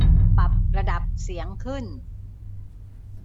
ปรับระดับเสียงขึ้น